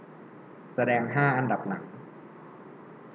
แสดงห้าอันดับหนัง